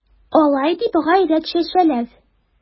Алай дип гайрәт чәчәләр...